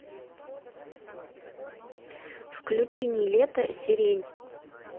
включи нилетто сирень